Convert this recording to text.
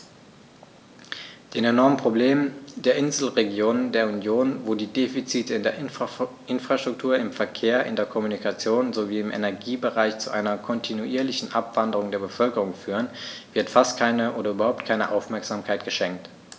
Den enormen Problemen der Inselregionen der Union, wo die Defizite in der Infrastruktur, im Verkehr, in der Kommunikation sowie im Energiebereich zu einer kontinuierlichen Abwanderung der Bevölkerung führen, wird fast keine oder überhaupt keine Aufmerksamkeit geschenkt.